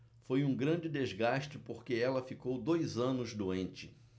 foi um grande desgaste porque ela ficou dois anos doente